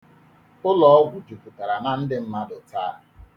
Ụlọọgwụ jupụtara na ndị mmadụ taa.